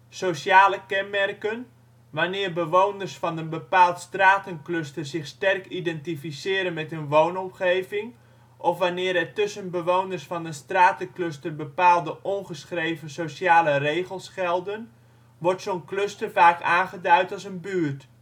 Sociale kenmerken: Wanneer bewoners van een bepaald stratencluster zich sterk identificeren met hun woonomgeving of wanneer er tussen bewoners van een stratencluster bepaalde ongeschreven sociale regels gelden wordt zo 'n cluster vaak aangeduid als een " buurt